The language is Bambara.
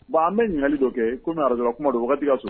Bon an bɛ ɲininkali dɔ kɛ kɔmi araz kuma don ka so